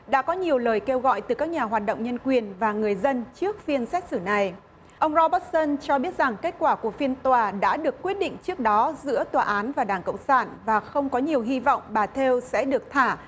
đã có nhiều lời kêu gọi từ các nhà hoạt động nhân quyền và người dân trước phiên xét xử này ông ro bớt sân cho biết rằng kết quả của phiên tòa đã được quyết định trước đó giữa tòa án và đảng cộng sản và không có nhiều hy vọng bà thêu sẽ được thả